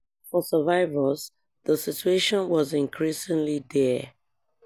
For survivors, the situation was increasingly dire.